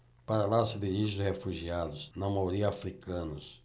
para lá se dirigem os refugiados na maioria hútus